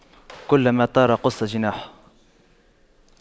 كلما طار قص جناحه